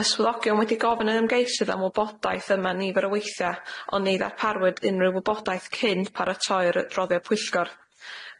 Ma' swyddogion wedi gofyn i'r ymgeisydd am wybodaeth yma nifer o weithia' ond ni ddarparwyd unrhyw wybodaeth cyn paratoi'r yy adroddiad pwyllgor.